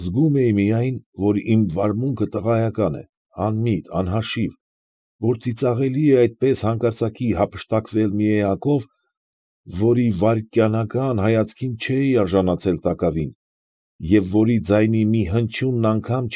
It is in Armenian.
Զգում էի միայն, որ իմ վարմունքը տղայականէ, անմիտ, անհաշիվ, որ ծիծաղելի է այդպես հանկարծակի հափշտակվել մի էակով, որի վայրկենական հայացքին չէի արժացանել տակավին և որի ձայնի մի հնչյունն անգամ։